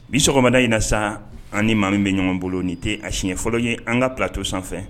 Bi sɔgɔma na in na sa ani maa min bɛ ɲɔgɔn bolo ni tɛ a siɲɛ fɔlɔ ye an kato sanfɛ